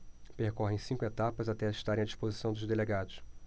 percorrem cinco etapas até estarem à disposição dos delegados